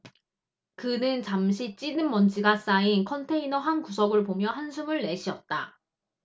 그는 잠시 찌든 먼지가 쌓인 컨테이너 한 구석을 보며 한숨을 내쉬었다